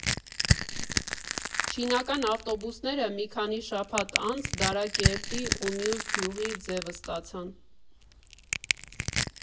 Չինական ավտոբուսները մի քանի շաբաթ անց Դարակերտի ու մյուս գյուղի ձևը ստացան։